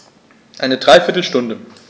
Eine dreiviertel Stunde